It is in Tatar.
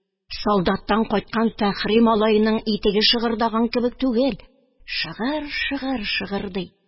Солдаттан кайткан Фәхри малаеның итеге шыгырдаган кебек түгел, шыгыршыгыр шыгырдый...